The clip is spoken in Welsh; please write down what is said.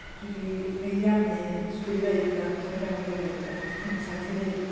Dwi 'di meddianu swyddfeydd a torri mewn i lefydd a peth cynta ti'n ddeud...